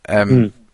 Yym. Hmm.